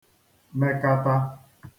mekata